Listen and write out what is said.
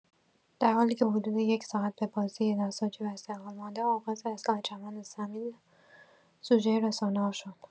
درحالی‌که حدود یک ساعت به بازی نساجی و استقلال مانده، آغاز اصلاح چمن زمین سوژه رسانه‌ها شد.